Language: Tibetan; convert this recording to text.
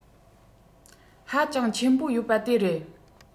ཧ ཅང ཆེན པོ ཡོད པ དེ རེད